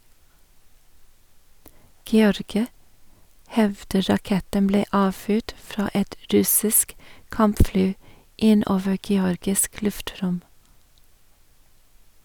Georgia hevder raketten ble avfyrt fra et russisk kampfly inne over georgisk luftrom.